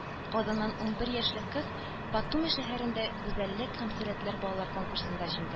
Казаннан ун бер яшьлек кыз Батуми шәһәрендә гүзәллек һәм сәләтләр балалар конкурсында җиңде